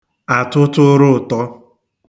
àtụtụ̄rụ̄ụ̄tọ